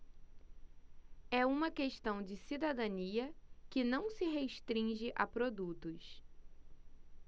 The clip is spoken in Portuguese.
é uma questão de cidadania que não se restringe a produtos